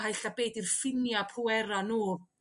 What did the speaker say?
A ella be 'di'r ffinia' pwera' n'w